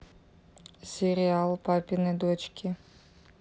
сериал папины дочки